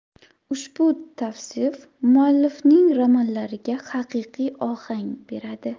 ushbu tavsif muallifning romanlariga haqiqiy ohang beradi